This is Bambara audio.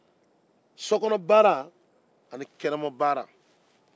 sokɔnɔbaara ani kɛnɛmabaara